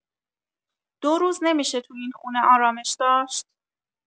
دو روز نمی‌شه تو این خونه ارامش داشت؟